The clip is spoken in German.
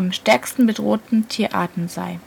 stärksten bedrohten Tierarten sei